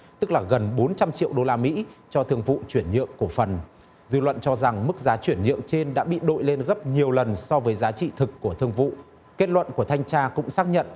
tức là gần bốn trăm triệu đô la mỹ cho thương vụ chuyển nhượng cổ phần dư luận cho rằng mức giá chuyển nhượng trên đã bị đội lên gấp nhiều lần so với giá trị thực của thương vụ kết luận của thanh tra cũng xác nhận